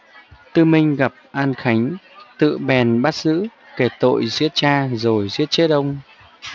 tư minh gặp an khánh tự bèn bắt giữ kể tội giết cha rồi giết chết ông